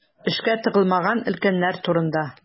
Эшкә тыгылмаган өлкәннәр турында.